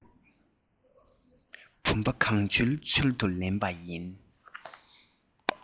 བུམ པ གང བྱོའི ཚུལ དུ ལེན པ ཡིན